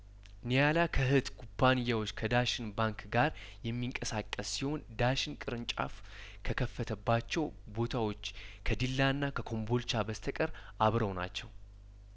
ኒያላ ከህት ኩባንያዎች ከዳሸን ባንክ ጋር የሚንቀሳቀስ ሲሆን ዳሸን ቅርንጫፍ ከከፈተባቸው ቦታዎች ከዲላና ከኮምቦልቻ በስተቀር አብረው ናቸው